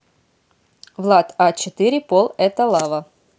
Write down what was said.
влад а четыре пол это лава